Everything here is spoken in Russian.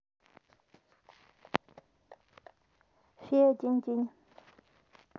фея динь динь